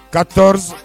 Ka dɔɔnin